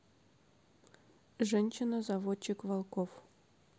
женщина заводчик волков